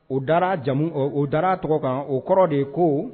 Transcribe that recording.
O dara jamu kan,o dara tɔgɔ kan,o kɔrɔ de ye ko